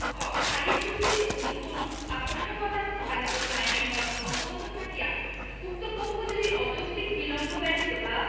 খ সালিস চুক্তির অধীন কোন আবশ্যকতা প্রতিপালিত হয় নাই মর্মে অবগত থাকিয়া উক্ত পক্ষ যদি অযৌক্তিক বিলম্ব ব্যতীত বা